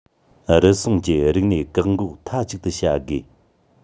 རུལ སུངས ཀྱི རིག གནས བཀག འགོག མཐའ གཅིག ཏུ བྱ དགོས